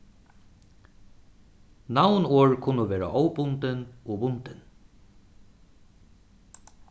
navnorð kunnu vera óbundin og bundin